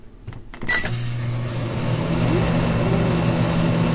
песня тролли